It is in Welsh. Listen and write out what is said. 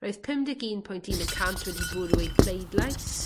Roedd pum deg un pwynt un y cant wedi bwrw eu pleidlais.